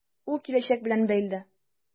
Ул киләчәк белән бәйле.